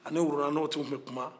a ni wuranɛw tun bɛ kuman